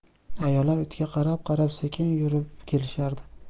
ayollar itga qarab qarab sekin yurib kelishardi